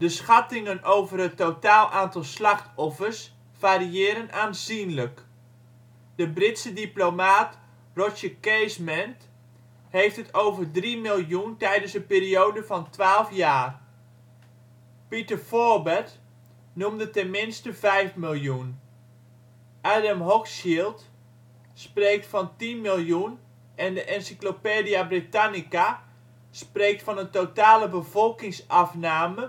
schattingen over het totaal aantal slachtoffers variëren aanzienlijk. De Britse diplomaat Roger Casement heeft het over drie miljoen tijdens een periode van twaalf jaar. Peter Forbath noemt ten minste vijf miljoen. Adam Hochschild spreekt van tien miljoen en de Encyclopædia Britannica spreekt van een totale bevolkingsafname